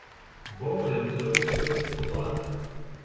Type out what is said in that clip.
бой абдурозик хасбулат